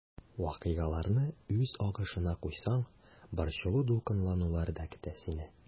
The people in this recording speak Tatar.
Вакыйгаларны үз агышына куйсаң, борчылу-дулкынланулар да көтә сине.